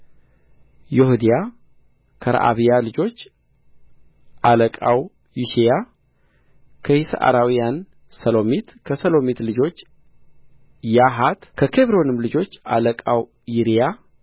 ዬሕድያ ከረዓብያ ልጆች አለቃው ይሺያ ከይስዓራውያን ሰሎሚት ከሰሎሚት ልጆች ያሐት ከኬብሮንም ልጆች አለቃው ይሪያ